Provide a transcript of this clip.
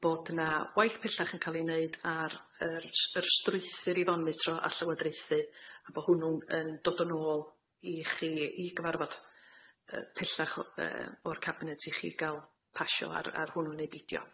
Bod yna waith pellach yn ca'l ei neud ar yr s- yr strwythur i fonitro a llywodraethu a bo' hwnnw'n yn dod yn ôl i chi i gyfarfod yy pellach o yy o'r cabinet i chi ga'l pasio ar ar hwnnw neu bidio.